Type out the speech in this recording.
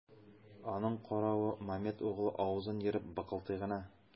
Аның каравы, Мамед углы авызын ерып быкылдый гына.